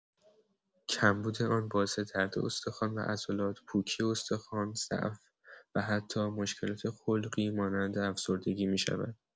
کمبود آن باعث درد استخوان و عضلات، پوکی استخوان، ضعف و حتی مشکلات خلقی مانند افسردگی می‌شود.